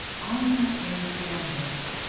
Анна уңайсызланды.